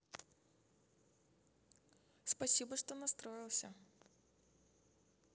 спасибо что настроился